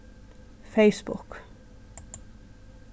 facebook